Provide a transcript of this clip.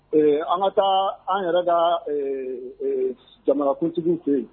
Eee an ŋa taa an yɛrɛ kaa ee e jamanakuntigi te ye